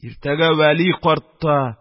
Иртәгә вәли картта